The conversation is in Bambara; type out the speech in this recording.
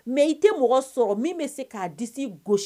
Mɛ i tɛ mɔgɔ sɔrɔ min bɛ se k'a di gosisi